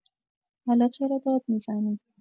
حالا چرا داد می‌زنی؟